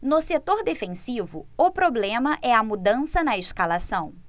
no setor defensivo o problema é a mudança na escalação